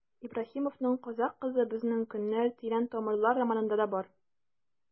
Ибраһимовның «Казакъ кызы», «Безнең көннәр», «Тирән тамырлар» романнарында да бар.